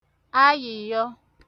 ayị̀yọ